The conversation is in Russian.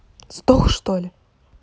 сдох что ли